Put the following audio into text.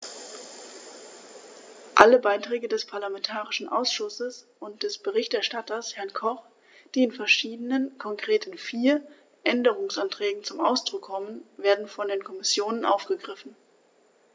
Alle Beiträge des parlamentarischen Ausschusses und des Berichterstatters, Herrn Koch, die in verschiedenen, konkret in vier, Änderungsanträgen zum Ausdruck kommen, werden von der Kommission aufgegriffen.